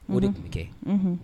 O de tun kɛ